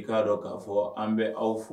I k'a dɔn k'a fɔ an bɛ aw fo